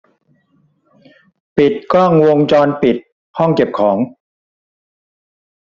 ปิดกล้องวงจรปิดห้องเก็บของ